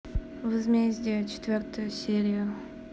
возмездие четвертая серия